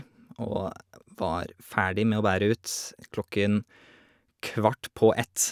Og var ferdig med å bære ut klokken kvart på ett.